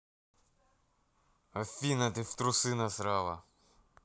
афина ты в трусы насрала